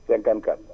54